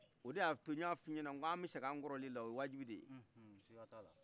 o de ya to ne ya fiɲɛna k'anbi segi an kɔrɔlena o ye wajubideye